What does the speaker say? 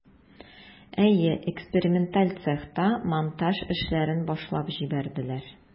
Әйе, эксперименталь цехта монтаж эшләрен башлап җибәрделәр.